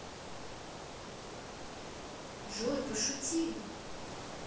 джой пошути